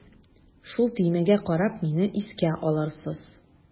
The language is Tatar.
Шул төймәгә карап мине искә алырсыз.